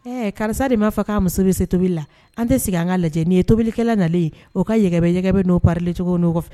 Ɛɛ karisa de ma fɔ ka muso bi se tobibili la an tan sigi an ka lajɛ. in ye tobilikɛla nalen ye o ka yɛgɛbɛ yɛgɛbɛ no parili cogo no ka fi